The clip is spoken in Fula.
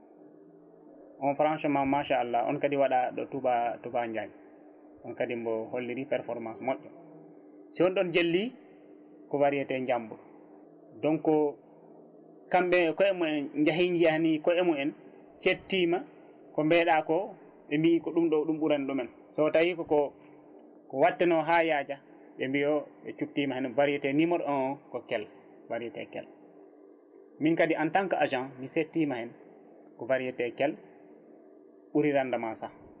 on franchement machallah on kadi waɗa ɗo Touba Touba Ndiagne on kadi mbo holliri performant moƴƴo si on ɗon jelli ko variété Jambour donc kamɓe e koyemumen jeeyi jahani koyemumen hettima ko meeɗa ko ɓe mbi o ɗum ɗo ɗum ɓuurani ɗumen so tawi ko ko watte no ha yaaja ɓe o ɓe cubtima tan variété numéro 1 o ko keel variété keel min kadi en tant que fra agent mi settima hen ko variété keel ɓuuri rendement saah